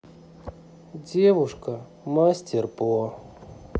девушка мастер по